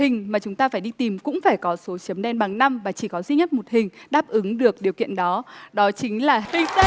hình mà chúng ta phải đi tìm cũng phải có số chấm đen bằng năm và chỉ có duy nhất một hình đáp ứng được điều kiện đó đó chính là tinh tê